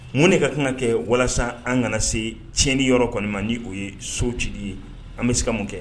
Mun de ka kan ka kɛ walasa an kana se tiɲɛni yɔrɔ kɔniman di o ye so ci ye an bɛ se ka mun kɛ